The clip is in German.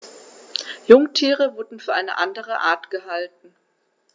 Jungtiere wurden für eine andere Art gehalten.